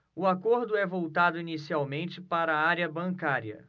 o acordo é voltado inicialmente para a área bancária